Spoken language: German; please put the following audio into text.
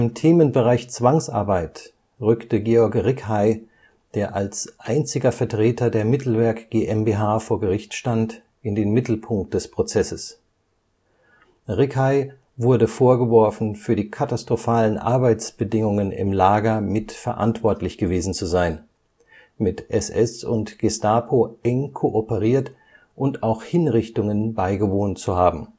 Themenbereich Zwangsarbeit rückte Georg Rickhey, der als einziger Vertreter der Mittelwerk GmbH vor Gericht stand, in den Mittelpunkt des Prozesses. Rickhey wurde vorgeworfen, für die katastrophalen Arbeitsbedingungen im Lager mit verantwortlich gewesen zu sein, mit SS und Gestapo eng kooperiert und auch Hinrichtungen beigewohnt zu haben